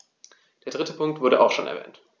Der dritte Punkt wurde auch schon erwähnt.